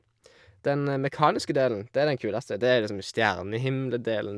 Den mekaniske delen, det er den kuleste, det er liksom stjernehimmel-delen.